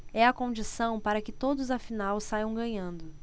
é a condição para que todos afinal saiam ganhando